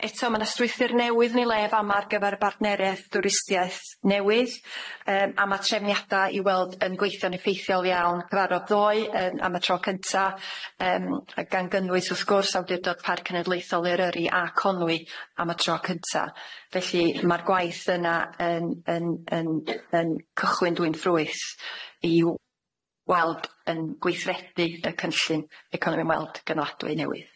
Eto ma' na strwythur newydd yn ei le fa'ma ar gyfar bartneriaeth dwristiaeth newydd yym a ma' trefniada i weld yn gweithio'n effeithiol iawn cyfarod ddoe yn am y tro cynta yym a gan gynnwys wrth gwrs awdurdod Paic Cenedlaethol Eryri a Conwy am y tro cynta felly ma'r gwaith yna yn yn yn yn cychwyn dwyn ffrwyth i 'w weld yn gweithredu y cynllun economi ymweld gynaladwy newydd.